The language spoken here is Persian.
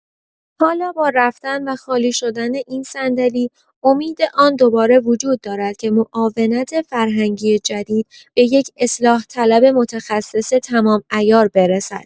حالا با رفتن و خالی شدن این صندلی، امید آن دوباره وجود دارد که معاونت فرهنگی جدید به یک اصلاح‌طلب متخصص تمام‌عیار برسد.